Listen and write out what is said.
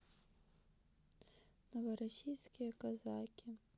новороссийские казаки